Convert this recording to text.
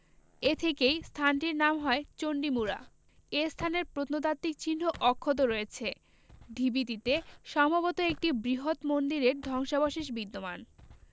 এ থেকেই স্থানটির নাম হয় চণ্ডীমুড়া এ স্থানের প্রত্নতাত্ত্বিক চিহ্ন অক্ষত রয়েছে ঢিবিটিতে সম্ভবত একটি বৃহৎ মন্দিরের ধ্বংসাবশেষ বিদ্যমান